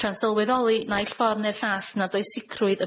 Tra'n sylweddoli naill ffor ne'r llall nad oes sicrwydd